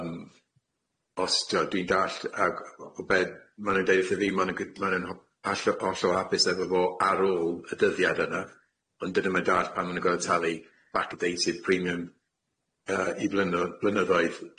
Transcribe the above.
yym os t'wo' dwi'n dall' ag o be' ma' nw'n deud wrtho fi ma' nw'n gy- ma' nw'n ho- all'o' hollol hapus efo fo ar ôl y dyddiad yna ond dydym yn dall' pan ma' nw'n gor'o' talu backdated premium yy i flynyddo- blynyddoedd